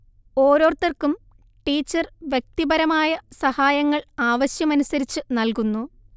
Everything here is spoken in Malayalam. ഓരോരുത്തർക്കും ടീച്ചർ വ്യക്തിപരമായ സഹായങ്ങൾ ആവശ്യമനുസരിച്ച് നൽകുന്നു